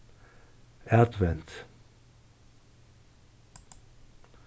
advent